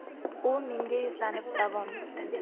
u menga yuzlanib davom etdi